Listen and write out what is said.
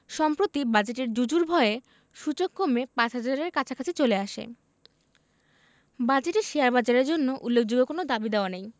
সম্প্রতি বাজেটের জুজুর ভয়ে সূচক কমে ৫ হাজারের কাছাকাছি চলে আসে বাজেটে শেয়ারবাজারের জন্য উল্লেখযোগ্য কোনো দাবিদাওয়া নেই